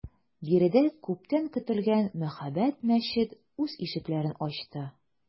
Биредә күптән көтелгән мәһабәт мәчет үз ишекләрен ачты.